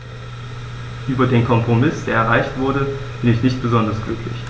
Über den Kompromiss, der erreicht wurde, bin ich nicht besonders glücklich.